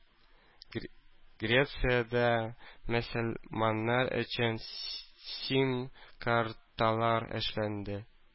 Грециядә мөселманнар өчен СИМ-карталар эшләнде.